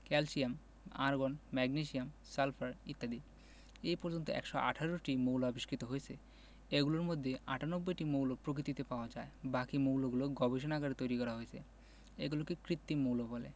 calcium argon magnesium sulphur ইত্যাদি এ পর্যন্ত ১১৮টি মৌল আবিষ্কৃত হয়েছে এগুলোর মধ্যে ৯৮টি মৌল প্রকৃতিতে পাওয়া যায় বাকি মৌলগুলো গবেষণাগারে তৈরি করা হয়েছে এগুলোকে কৃত্রিম মৌল বলে